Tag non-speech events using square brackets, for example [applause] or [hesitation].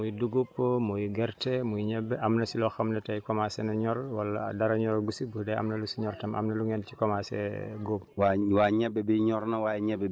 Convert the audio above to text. waaye si wàllu tool yi tey muy dugub muy gerte muy ñebe am na si loo xam ne tey commencé nañ ñor wala dara ñoragu si bu dee am na lu si ñor tam am na lu ngeen ci commencé [hesitation] góob